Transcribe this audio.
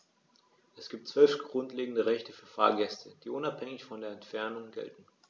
Es gibt 12 grundlegende Rechte für Fahrgäste, die unabhängig von der Entfernung gelten.